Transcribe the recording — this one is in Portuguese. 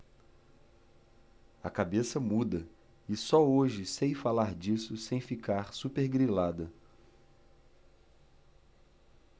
a cabeça muda e só hoje sei falar disso sem ficar supergrilada